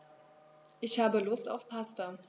Ich habe Lust auf Pasta.